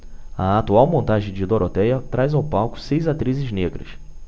a atual montagem de dorotéia traz ao palco seis atrizes negras